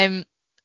Yym.